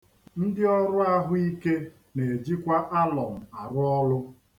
Ndị ọrụ ahụike na-ejikwa alọm arụ ọrụ.